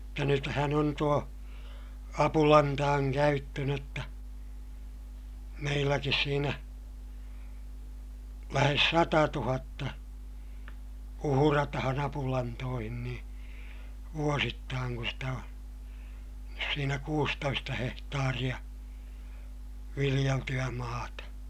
mutta nythän on tuo apulantojen käyttö - jotta meilläkin siinä lähes satatuhatta uhrataan apulantoihin niin vuosittain kun sitä on siinä kuusitoista hehtaaria viljeltyä maata